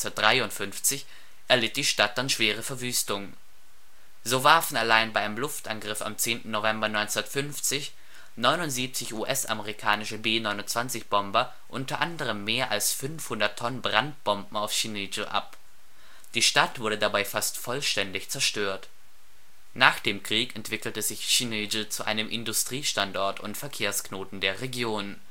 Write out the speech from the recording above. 1953) erlitt die Stadt dann schwere Verwüstungen. So warfen allein bei einem Luftangriff am 10. November 1950 79 US-amerikanische B-29 – Bomber u. a. mehr als 500 Tonnen Brandbomben auf Sinŭiju ab. Die Stadt wurde dabei fast vollständig zerstört. Nach dem Krieg entwickelte sich Sinŭiju zu einem Industriestandort und Verkehrsknoten der Region